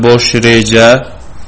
bosh reja